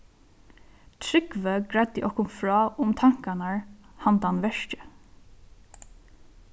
trygvi greiddi okkum frá um tankarnar handan verkið